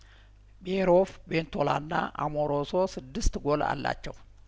ቢዬርሆፍ ቬንቶላና አሞሮሶ ስድስት ጐል አላቸው